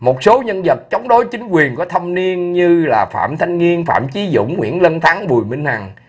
một số nhân vật chống đối chính quyền có thâm niên như là phạm thanh nghiên phạm chí dũng nguyễn linh thắng bùi minh hằng